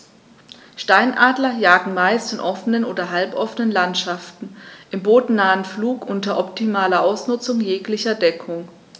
Steinadler jagen meist in offenen oder halboffenen Landschaften im bodennahen Flug unter optimaler Ausnutzung jeglicher Deckung.